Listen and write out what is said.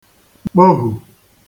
kpohu